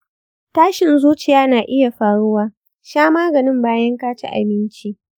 tashin zuciya na iya faruwa; sha maganin bayan ka ci abinci.